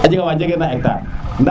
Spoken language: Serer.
a njega wa njegeer na hectar